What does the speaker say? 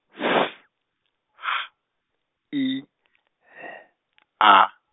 S H I L A.